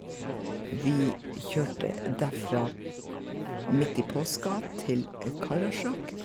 Vi kjørte derfra midt i påska, til Karasjok.